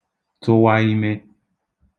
tụ̄wā īmē